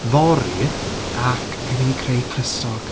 Fory ac fi'n mynd i creu clustog.